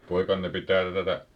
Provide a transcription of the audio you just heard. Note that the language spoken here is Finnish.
poikanne pitää tätä